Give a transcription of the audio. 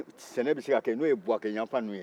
a y'o bɛɛ minɛ